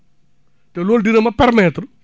te loolu dina ma permettre